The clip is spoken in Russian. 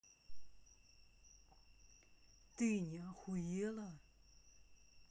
ты не охуела